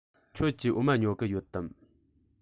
ཁྱོད ཀྱིས འོ མ ཉོ གི ཡོད དམ